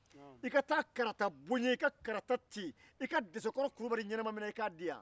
i ka taa karata bon n ye i ka karata ci i ka deskɔrɔ kulubali ɲɛnaminɛ k'a di yan